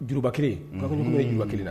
Juruba kelen